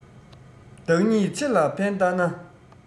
བདག ཉིད ཆེ ལ ཕན བཏགས ན